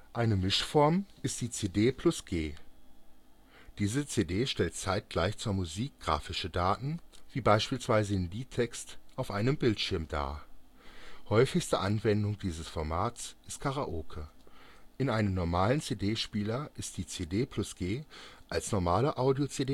Eine Mischform ist die CD+G (CD+Graphics). Diese CD stellt zeitgleich zur Musik grafische Daten, wie beispielsweise den Liedtext, auf einem Bildschirm dar. Häufigste Anwendung dieses Formats ist Karaoke. In einem normalen CD-Spieler ist die CD+G als normale Audio-CD